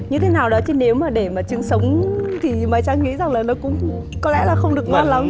như thế nào nữa chứ nếu mà để mà trứng sống thì mà trang nghĩ rằng nó cũng có lẽ là không được ngon lắm